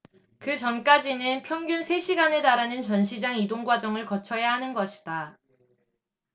그 전까지는 평균 세 시간에 달하는 전시장 이동과정을 거쳐야 하는 것이다